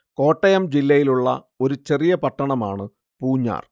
കോട്ടയം ജില്ലയിലുള്ള ഒരു ചെറിയ പട്ടണമാണ് പൂഞ്ഞാർ